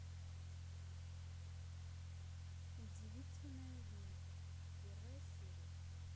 удивительная ви первая серия